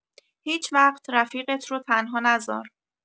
هیچ‌وقت رفیقت رو تنها نذار